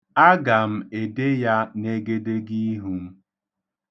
Aga m ede ya n'egedegiihu m.